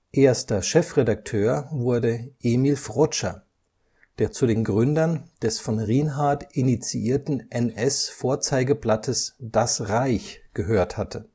Erster Chefredakteur wurde Emil Frotscher, der zu den Gründern des von Rienhardt initiierten NS-Vorzeigeblattes Das Reich gehört hatte